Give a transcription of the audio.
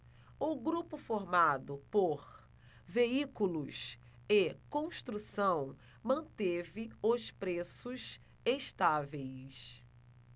o grupo formado por veículos e construção manteve os preços estáveis